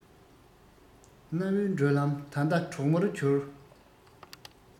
གནའ བོའི བགྲོད ལམ ད ལྟ གྲོག མོར གྱུར